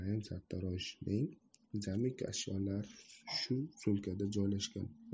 naim sartaroshning jamiki ashyolari shu sumkada joylashgan